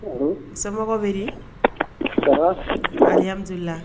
Somɔgɔw bɛri ayimulila